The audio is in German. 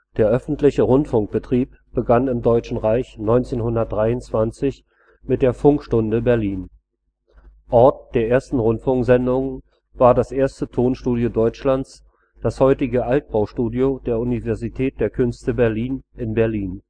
Der öffentliche Rundfunkbetrieb begann im Deutschen Reich 1923 mit der Funk-Stunde Berlin. Ort der ersten Rundfunksendungen war das erste Tonstudio Deutschlands, das heutige Altbaustudio der Universität der Künste Berlin in Berlin